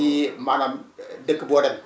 fii maanaam dëkk boo dem